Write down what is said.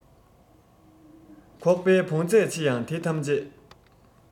ཁོག པའི བོངས ཚད ཆེ ཡང དེ ཐམས ཅད